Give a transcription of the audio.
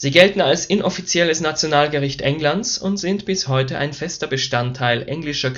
gelten als inoffizielles Nationalgericht Englands und sind bis heute ein fester Bestandteil englischer